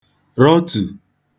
rọtù